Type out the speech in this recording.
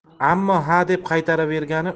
ammo hadeb qaytaravergani